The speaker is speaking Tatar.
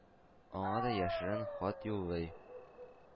Аңа да яшерен хат юллый.